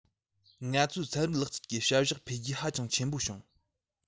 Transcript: ང ཚོའི ཚན རིག ལག རྩལ གྱི བྱ གཞག འཕེལ རྒྱས ཧ ཅང ཆེན པོ བྱུང